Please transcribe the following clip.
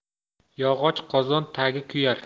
yog'och qozon tagi kuyar